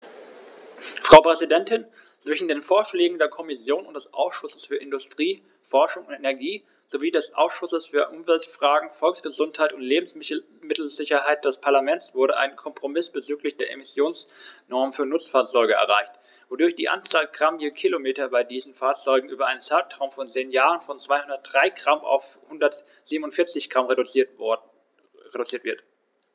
Frau Präsidentin, zwischen den Vorschlägen der Kommission und des Ausschusses für Industrie, Forschung und Energie sowie des Ausschusses für Umweltfragen, Volksgesundheit und Lebensmittelsicherheit des Parlaments wurde ein Kompromiss bezüglich der Emissionsnormen für Nutzfahrzeuge erreicht, wodurch die Anzahl Gramm je Kilometer bei diesen Fahrzeugen über einen Zeitraum von zehn Jahren von 203 g auf 147 g reduziert wird.